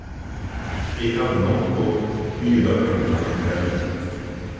eg havi longu biðið løgregluna um verju